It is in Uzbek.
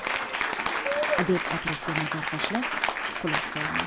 deb atrofga nazar tashlab quloq solaman